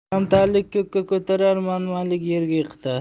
kamtarlik ko'kka ko'tarar manmanlik yerga kiritar